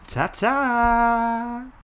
Ta ta!